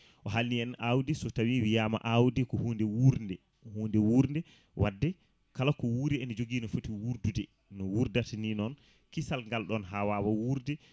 o halni en awdi so tawi wiyama awdi ko hunde wuurde hunde wuurde wadde kala ko wuuri ene jogui no foti wurdude no wurdata ni noon kissal ngal ɗon ha wawa wuurde